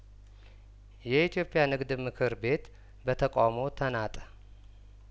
የኢትዮጵያ ንግድ ምክር ቤት በተቃውሞ ተናጠ